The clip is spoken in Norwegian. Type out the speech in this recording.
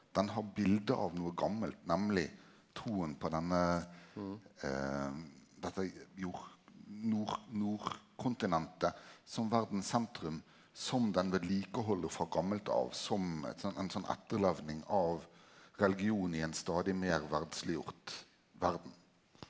den har bilde av noko gammalt nemleg trua på denne dette jord nord nordkontinentet som verdas sentrum, som den vedlikeheld frå gammalt av som eit sånn ein sånn etterleivning av religionen i ein stadig meir verdsleggjort verd.